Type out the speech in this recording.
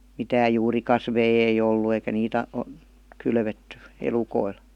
mitään juurikasveja ei ollut eikä niitä -- kylvetty elukoille